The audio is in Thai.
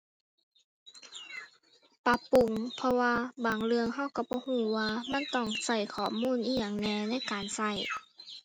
ปรับปรุง เพราะว่าบางเรื่องเราเราบ่เราว่า มันต้องเราข้อมูลอิหยังแหน่ในการเรา